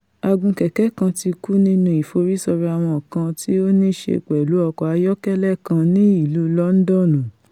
Agunkẹ̀kẹ́ kan ti kú nínú ìforísọrawọn kan tí ó nííṣe pẹ̀lú ọkọ ayọ́kẹ́lẹ́ kan ní ìlú Lọndọnu.